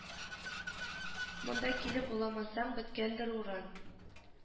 Монда килеп уламасаң беткәндер урын